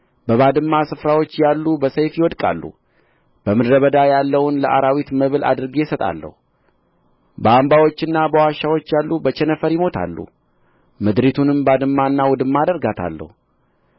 በባድማ ስፍራዎች ያሉ በሰይፍ ይወድቃሉ በምድረ በዳ ያለውን ለአራዊት መብል አድርጌ እሰጣለሁ በአምባዎችና በዋሾች ያሉ በቸነፈር ይሞታሉ ምድሪቱንም ባድማና ውድማ አደርጋታለሁ